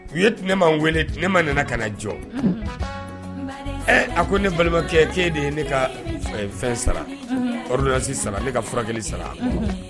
U ye t ne ma wele ne ma nana ka jɔ ɛ a ko ne balimabakɛ kee de ye ne ka fɛn sara kɔrɔsi sara ne ka furakɛ sara